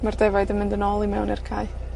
Ma'r defaid yn mynd yn ôl i mewn i'r cae.